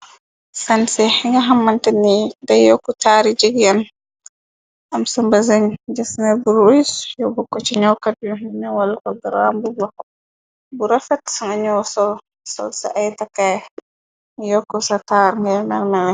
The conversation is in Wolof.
san se nga xamante ni da yokku taari jegeen am samba zëñ jësner bu ruis yobb ko ci ñawkat yu nunawal ko gram bu ba bu rafet ngañoo sol sol sa ay takkaay ni yokk sa taar ngey mermale.